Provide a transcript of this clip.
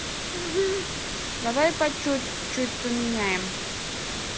давай почуть чуть поменяем